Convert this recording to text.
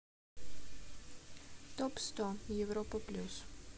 топ сто европа плюс